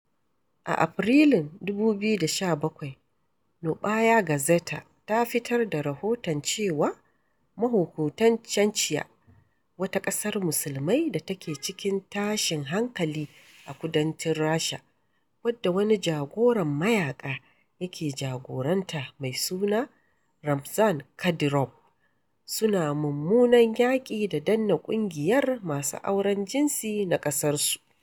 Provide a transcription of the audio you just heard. A Afrilun 2017, Noɓaya Gazeta ta fitar da rahoton cewa mahukuntan Chechnya, wata ƙasar Musulmai da take cikin tashin hankali a kudancin Rasha, wadda wani jagoran mayaƙa yake jagoranta mai suna Ramzan Kadyroɓ, suna mummunan yaƙi da danne ƙungiyar masu auren jinsi na ƙasarsu.